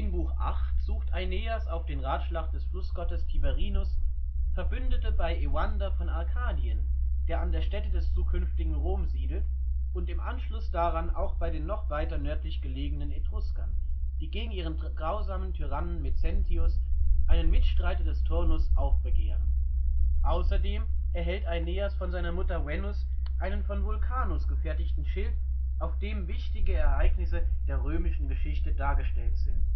Buch 8 sucht Aeneas auf den Ratschlag des Flussgottes Tiberinus Verbündete bei Euander von Arkadien, der an der Stätte des zukünftigen Rom siedelt, und im Anschluss daran auch bei den noch weiter nördlich gelegenen Etruskern, die gegen ihren grausamen Tyrannen Mezentius, einen Mitstreiter des Turnus, aufbegehren. Außerdem erhält Aeneas von seiner Mutter Venus einen von Vulcanus gefertigten Schild, auf dem wichtige Ereignisse der römischen Geschichte dargestellt sind